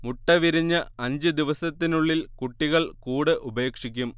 മുട്ട വിരിഞ്ഞ് അഞ്ചു ദിവസത്തിനുള്ളിൽ കുട്ടികൾ കൂട് ഉപേക്ഷിക്കും